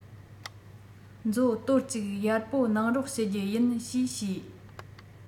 མཛོ དོར གཅིག གཡར པོ གནང རོགས ཞུ རྒྱུ ཡིན ཞེས ཞུས